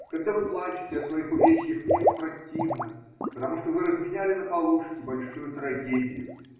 Когда вы плачете о своих увечьях, мне противно, потому что вы разменяли на полушки большую трагедию.